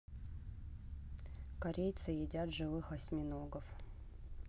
корейцы едят живых осьминогов